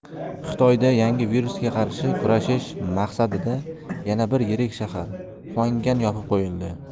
xitoyda yangi virusga qarshi kurashish maqsadida yana bir yirik shahar xuangan yopib qo'yildi